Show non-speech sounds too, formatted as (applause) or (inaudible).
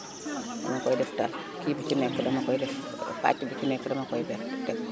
(crosstalk) dama koy def tar kii bu ci nekk dama koy def (hesitation) pàcc bu ci nekk dama koy ber teg ko